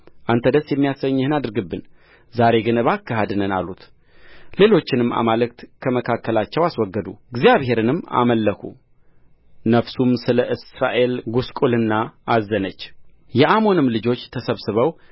አንተ ደስ የሚያሰኝህን አድርግብን ዛሬ ግን እባክህ አድነን አሉት ሌሎችንም አማልክት ከመካከላቸው አስወገዱ እግዚአብሔርንም አመለኩ ነፍሱም ስለ እስራኤል ጕስቍልና አዘነች የአሞንም ልጆች ተሰብስበው